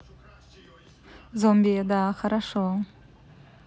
zombie да хорошо